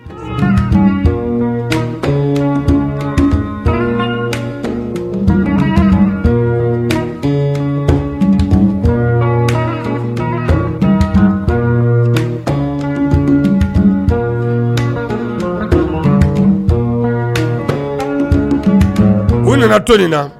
Wa u nana to nin na